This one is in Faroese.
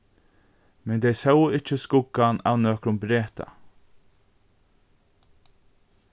men tey sóu ikki skuggan av nøkrum breta